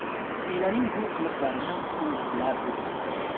jamilaning bu qiliqlarini u bilar edi